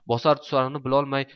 bosar tusarini bilolmay